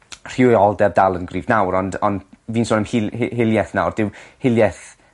rhywioldeb dal yn gryf nawr ond on' fi'n so am hil- hi- hilieth nawr dyw hilieth